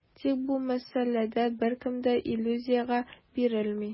Тик бу мәсьәләдә беркем дә иллюзиягә бирелми.